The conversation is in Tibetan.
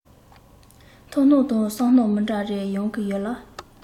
མཐོང སྣང དང བསམ སྣང མི འདྲ རེ ཡོང གི ཡོད ལ